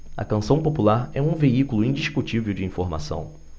a canção popular é um veículo indiscutível de informação